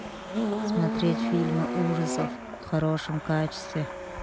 смотреть фильмы ужасов в хорошем качестве